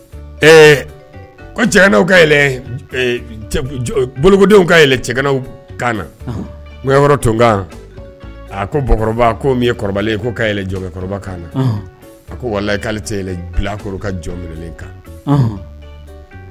Ko cɛw ka bolokodenw ka cɛw kan n yɔrɔ tunkan a kokɔrɔba ko ko ka jɔn kɔrɔkan a ko wa'ale tɛ bilakoro ka jɔn mi kan